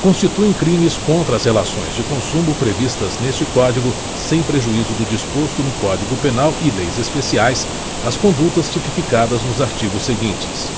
constituem crimes contra as relações de consumo previstas neste código sem prejuízo do disposto no código penal e leis especiais as condutas tipificadas nos artigos seguintes